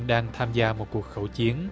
đang tham gia một cuộc khẩu chiến